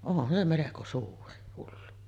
onhan se melko suuri hullu